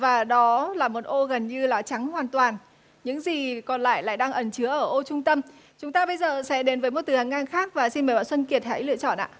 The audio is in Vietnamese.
và đó là một ô gần như là trắng hoàn toàn những gì còn lại lại đang ẩn chứa ở ô trung tâm chúng ta bây giờ sẽ đến với một từ hàng ngang khác và xin mời bạn xuân kiệt hãy lựa chọn ạ